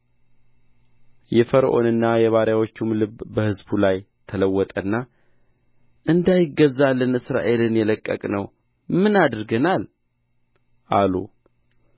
የፈርዖንና የባሪያዎቹም ልብ በሕዝቡ ላይ ተለወጠና እንዳይገዛልን እስራኤልን የለቀቅነው ምን አድርገናል አሉ